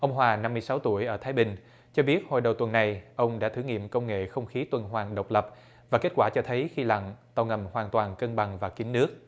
ông hòa năm mươi sáu tuổi ở thái bình cho biết hồi đầu tuần này ông đã thử nghiệm công nghệ không khí tuần hoàn độc lập và kết quả cho thấy khi lặn tàu ngầm hoàn toàn cân bằng và kín nước